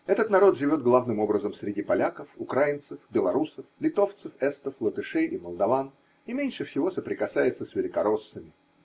Этот народ живет главным образом среди поляков, украинцев, белоруссов, литовцев, эстов, латышей и молдаван и меньше всего соприкасается с великороссами.